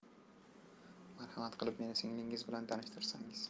marhamat qilib meni singlinggiz bilan tanishtirsangiz